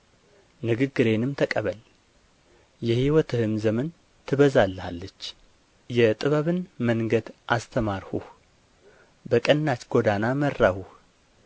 ንግግሬንም ተቀበል የሕይወትህም ዘመን ትበዛልሃለች የጥበብን መንገድ አስተማርሁህ በቀናች ጎዳና መራሁህ